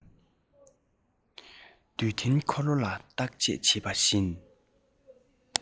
འདྲུད འཐེན འཁོར ལོ ལ བརྟག དཔྱད བྱེད པ བཞིན